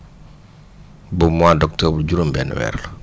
ba mois d' octobre juróom-benni weer